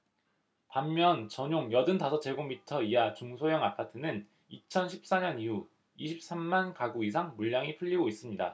반면 전용 여든 다섯 제곱미터 이하 중소형 아파트는 이천 십 사 년 이후 이십 삼 만 가구 이상 물량이 풀리고 있습니다